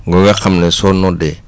bu nga xam ne soo noddee